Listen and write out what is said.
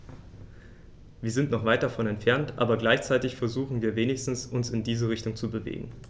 Wir sind noch weit davon entfernt, aber gleichzeitig versuchen wir wenigstens, uns in diese Richtung zu bewegen.